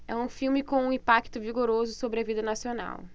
é um filme com um impacto vigoroso sobre a vida nacional